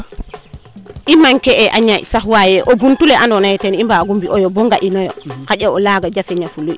i manquer e a ñaaƴ sax waaye o buntu le ando naye ten i mbagu mbiyo yo bo nga inoyo xanja o laaga jafeña fulu